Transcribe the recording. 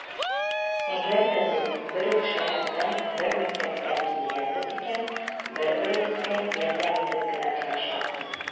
Әгәр дә без бер үк шәһәрдән, бер мәктәптән килгәнбез икән, бер-беребезгә ярдәм итеп кенә торачакбыз.